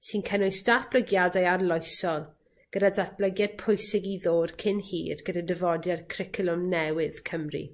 sy'n cynnwys datblygiadau arloesol gyda datblygiad pwysig i ddod cyn hir gyda dyfodiad cricwlwm newydd Cymru.